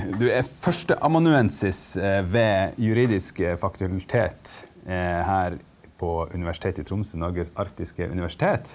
du er førsteamanuensis ved juridisk fakultet her på Universitetet i Tromsø, Norges arktiske universitet.